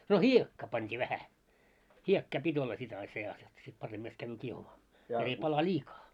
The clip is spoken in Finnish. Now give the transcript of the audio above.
no hiekkaa pantiin vähän hiekkaa piti olla sitten ai seassa jotta sitten paremmasti käy kiehumaan jotta ei pala liikaa